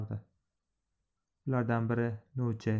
ulardan biri novcha